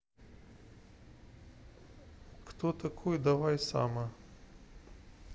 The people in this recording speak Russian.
кто такой давай сама